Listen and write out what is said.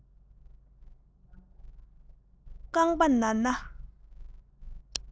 ཨ སྐྱོ རྐང པ ན ན